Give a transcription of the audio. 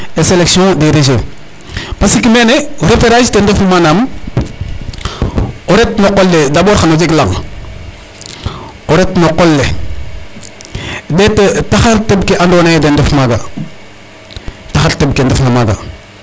Sélection des rejets parce que mene repérage ten refu manaam o ret no qol le d'abord xan o jeg lang o ret no qol le ɗeet taxar teƥ ke andoona yee den ndef maaga taxar teƥ ke ndefna maaga.